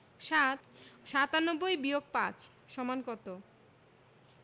৭ ৯৭-৫ = কত